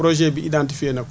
projet bi identifier na ko